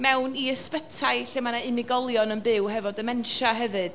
mewn i ysbytai lle ma' 'na unigolion yn byw hefo dementia hefyd.